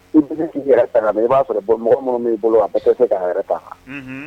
I' yɛrɛ i b'a sɔrɔ mɔgɔ minnu b'i bolo a bɛ se k ka yɛrɛ ta